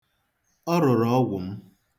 Ọ rụrụ ọgwụ m.